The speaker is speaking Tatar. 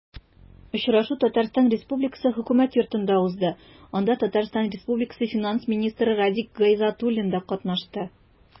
Очрашу Татарстан Республикасы Хөкүмәт Йортында узды, анда ТР финанс министры Радик Гайзатуллин да катнашты.